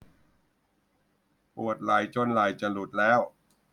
ปวดไหล่จนไหล่จะหลุดแล้ว